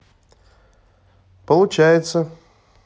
получается